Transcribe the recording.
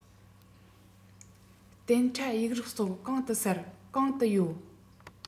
གཏན ཁྲ ཡིག རིགས སོགས གང དུ གསལ གང དུ ཡོད